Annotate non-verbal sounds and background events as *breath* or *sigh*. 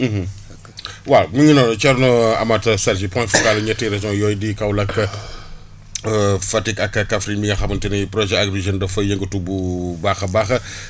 *hesitation* *hesitation* d' accord *smacks lips* waaw mi ngi noonu Thierno Amath Sadji *coughs* point focal ñetti régions yooyu di Kaolack *breath* *hesitation* Fatick ak Kaffrine mi nga xamante ni projet Agri Jeunes daf fay yëngatu bu *hesitation* bu baax a baax *breath*